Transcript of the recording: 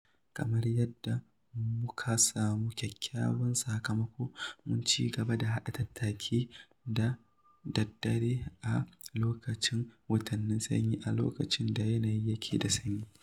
Kamar yadda muka samu kyakkyawan sakamako, mun cigaba da haɗa tattaki da daddare a lokacin watannin sanyi, a lokacin da yanayi yake da sanyi.